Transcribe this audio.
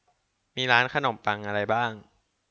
มีร้านขนมปังอะไรบ้าง